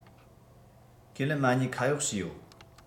ཁས ལེན མ ཉེས ཁ གཡོག བྱས ཡོད